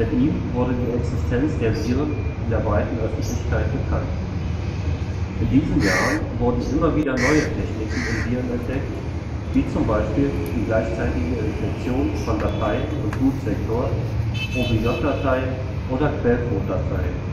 ihm wurde die Existenz der Viren in der breiten Öffentlichkeit bekannt. In diesen Jahren wurden immer wieder neue Techniken in Viren entdeckt, wie zum Beispiel die gleichzeitige Infektion von Dateien und Bootsektor, OBJ-Dateien oder Quellcode-Dateien